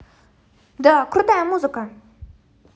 да крутая музыка